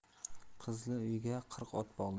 qizli uyni shoh ham so'ratadi gado ham